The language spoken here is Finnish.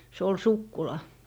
se oli sukkula